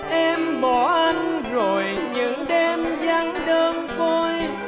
em bỏ anh rồi những đêm vắng đơn côi